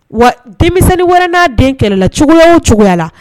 Wa denmisɛnnin wɛrɛ n'a den kɛlɛla cogoya o cogoya la